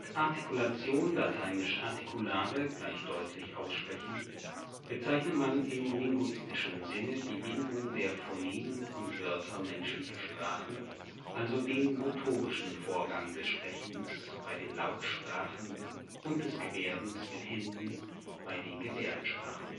Artikulation (lat. articulare = deutlich aussprechen) bezeichnet man im linguistischen Sinne die Bildung der Phonemen und Wörter menschlicher Sprachen, also den motorischen Vorgang des Sprechens bei den Lautsprachen und des Gebärdens mit Händen bei den Gebärdensprachen